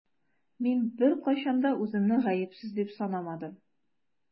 Мин беркайчан да үземне гаепсез дип санамадым.